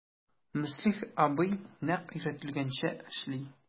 Мөслих абый нәкъ өйрәтелгәнчә эшли...